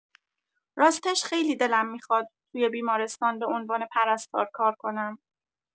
راستش خیلی دلم می‌خواد توی بیمارستان به عنوان پرستار کار کنم.